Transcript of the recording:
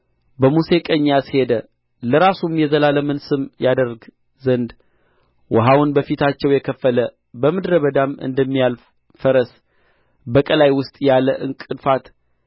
በሙሴ ቀኝ ያስሄደ ለራሱም የዘላለምን ስም ያደርግ ዘንድ ውኃውን በፊታቸው የከፈለ በምድረ በዳም እንደሚያልፍ ፈረስ በቀላይ ውስጥ ያለ ዕንቅፋት